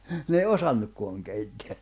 ne ei osannutkaan keittää